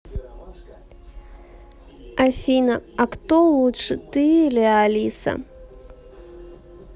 афина а кто лучше ты или алиса